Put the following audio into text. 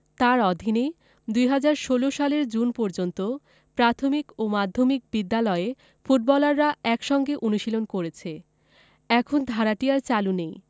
তাঁর অধীনে ২০১৬ সালের জুন পর্যন্ত প্রাথমিক ও মাধ্যমিক বিদ্যালয়ের ফুটবলাররা একসঙ্গে অনুশীলন করেছে এখন ধারাটি আর চালু নেই